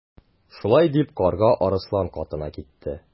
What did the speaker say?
Шулай дип Карга Арыслан катына китте.